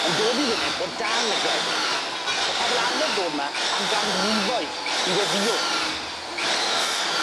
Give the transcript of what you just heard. yn dod i'r wyneb o dan y graig o'dd pobol arfer dod 'ma am ganrifoedd i weddïo.